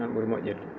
noon ?uri mo??irde